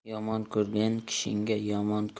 yomon ko'rgan kishingga